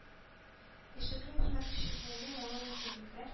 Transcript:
Эшлекле хезмәттәшлеккә яңа мөмкинлекләр